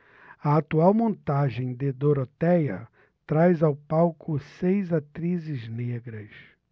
a atual montagem de dorotéia traz ao palco seis atrizes negras